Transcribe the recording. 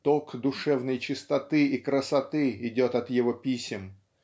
Ток душевной чистоты и красоты идет от его писем